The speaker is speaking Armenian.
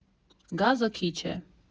Գազը քիչ է։